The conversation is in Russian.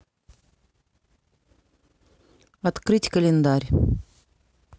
открыть календарь